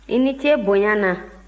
i ni ce bonya na